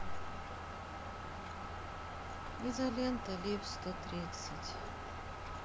изолента лив сто тридцать